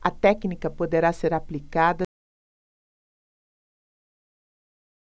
a técnica poderá ser aplicada se o membro não puder ser reimplantado